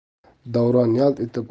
davron yalt etib